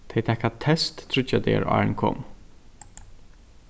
tey taka test tríggjar dagar áðrenn komu